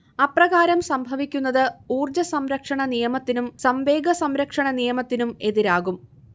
അപ്രകാരം സംഭവിക്കുന്നത് ഊർജ്ജസംരക്ഷണനിയമത്തിനും സംവേഗസംരക്ഷണനിയമത്തിനും എതിരാകും